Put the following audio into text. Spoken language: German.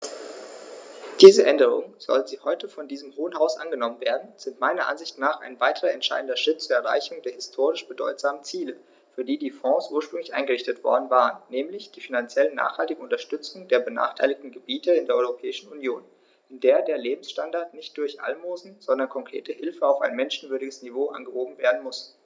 Diese Änderungen, sollten sie heute von diesem Hohen Haus angenommen werden, sind meiner Ansicht nach ein weiterer entscheidender Schritt zur Erreichung der historisch bedeutsamen Ziele, für die die Fonds ursprünglich eingerichtet worden waren, nämlich die finanziell nachhaltige Unterstützung der benachteiligten Gebiete in der Europäischen Union, in der der Lebensstandard nicht durch Almosen, sondern konkrete Hilfe auf ein menschenwürdiges Niveau angehoben werden muss.